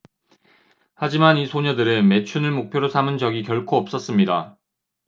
하지만 이 소녀들은 매춘을 목표로 삼은 적이 결코 없었습니다